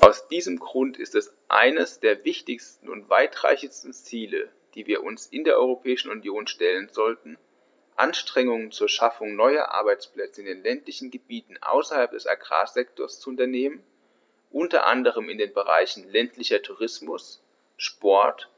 Aus diesem Grund ist es eines der wichtigsten und weitreichendsten Ziele, die wir uns in der Europäischen Union stellen sollten, Anstrengungen zur Schaffung neuer Arbeitsplätze in den ländlichen Gebieten außerhalb des Agrarsektors zu unternehmen, unter anderem in den Bereichen ländlicher Tourismus, Sport,